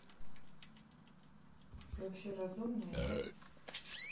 ты вообще разумная нет